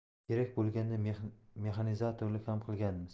kerak bo'lganda mexanizatorlik ham qilganmiz